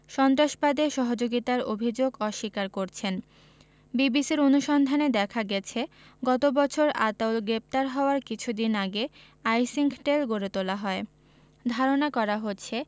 সন্ত্রাসবাদে সহযোগিতার অভিযোগ অস্বীকার করছেন বিবিসির অনুসন্ধানে দেখা গেছে গত বছর আতাউল গ্রেপ্তার হওয়ার কিছুদিন আগে আইসিংকটেল গড়ে তোলা হয় ধারণা করা হচ্ছে